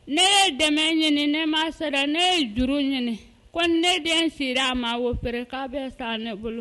Ne ye dɛmɛ ɲini ne ma sera ne ye juru ɲini kɔn ne den sera a ma wo fɛ k'a bɛ san ne bolo